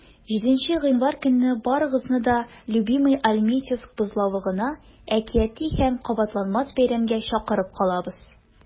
7 гыйнвар көнне барыгызны да "любимыйальметьевск" бозлавыгына әкияти һәм кабатланмас бәйрәмгә чакырып калабыз!